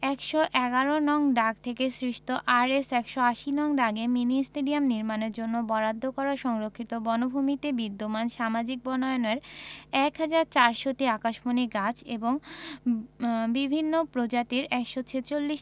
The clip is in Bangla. ১১১ নং দাগ থেকে সৃষ্ট আরএস ১৮০ নং দাগে মিনি স্টেডিয়াম নির্মাণের জন্য বরাদ্দ করা সংরক্ষিত বনভূমিতে বিদ্যমান সামাজিক বনায়নের ১ হাজার ৪০০টি আকাশমণি গাছ ও বিভিন্ন প্রজাতির ১৪৬